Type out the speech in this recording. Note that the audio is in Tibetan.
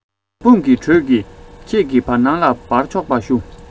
མེ དཔུང གི དྲོད ཀྱིས ཁྱེད ཀྱི བར སྣང ལ སྦར ཆོག པར ཞུ